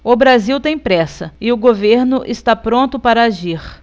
o brasil tem pressa e o governo está pronto para agir